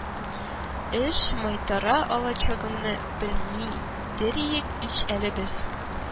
Эш майтара алачагыңны белмидериек ич әле без